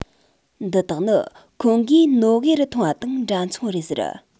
འདི དག ནི ཁོང གིས ནོར ཝེ རུ མཐོང བ དང འདྲ མཚུངས རེད ཟེར